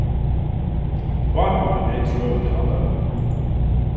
pápi mín hevði trøð úti á landavegnum